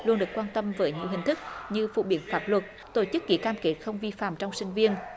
luôn được quan tâm với những hình thức như phổ biến pháp luật tổ chức ký cam kết không vi phạm trong sinh viên